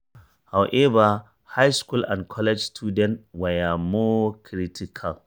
However, high school and college students were more critical.